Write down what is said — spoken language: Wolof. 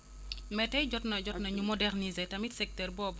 mais tey jot na jot na ñu moderniser tamit secteur boobu